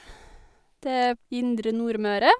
Det er indre Nordmøre.